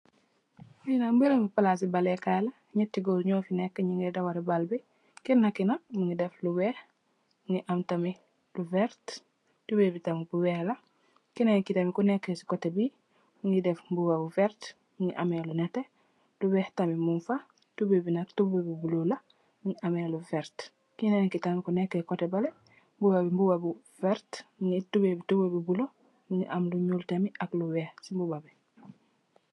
Fi nak barabi palasi bal lee kay la, ñénti gór ño fa nekka ñi ngee dawali bal, nekka ki nak mugii def lu wèèx mugii am tamit lu werta, tubay bu tam bu wèèx la. Kenen ki tam ku nekkè ci koteh bi mugii dèf mbubu bu werta mugii ameh lu netteh lu wèèx tamit mung fa, tubay bi nak tubay bu bula la mugii am ñuul ak lu wèèx tamit ci mbuba bi.